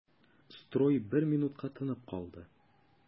Строй бер минутка тынып калды.